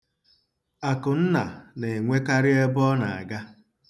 Akụnna na-enwekarị ebe ọ na-aga.